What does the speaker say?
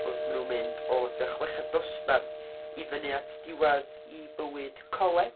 Wrth maen nhw yn mynd o tua chweched dosbarth i fyny at diwedd eu bywyd coleg.